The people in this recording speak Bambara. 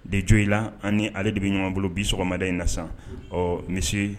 De jo i la an ni ale de bɛ ɲɔgɔnbolo bi sɔgɔmada in na sa ɔ misi